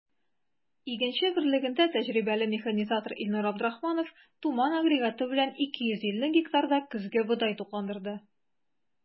“игенче” берлегендә тәҗрибәле механизатор илнур абдрахманов “туман” агрегаты белән 250 гектарда көзге бодай тукландырды.